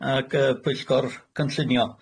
ag yyy pwyllgor cynllunio.